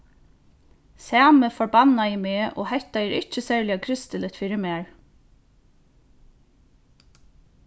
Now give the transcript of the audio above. sami forbannaði meg og hetta er ikki serliga kristiligt fyri mær